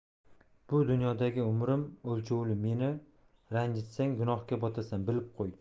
bu dunyodagi umrim o'lchovli meni ranjitsang gunohga botasan bilib qo'y